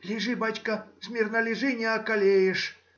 — Лежи, бачка, смирно лежи, не околеешь